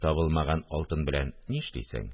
Табылмаган алтын белән ни эшлисең?